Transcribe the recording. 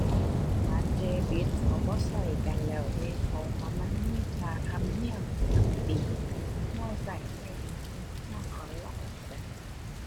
บัตรเดบิตเขาบ่ใช้กันแล้วเดะ เพราะว่ามันมีค่าธรรมเนียมประจำปี ใช้ใช้ในแอปธนาคารออนไลน์ใช้ได้